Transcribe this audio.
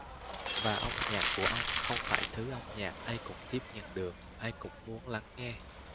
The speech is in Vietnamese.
và âm nhạc của ông không phải thứ âm nhạc ai cũng tiếp nhận được ai cũng muốn lắng nghe